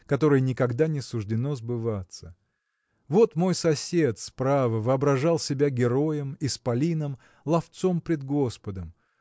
которой никогда не суждено сбываться? Вот мой сосед справа воображал себя героем исполином – ловцом пред господом.